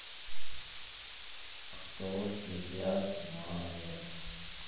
кто тебя знает